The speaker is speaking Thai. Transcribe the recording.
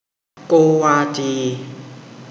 โกวาจี